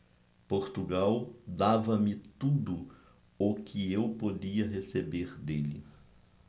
portugal dava-me tudo o que eu podia receber dele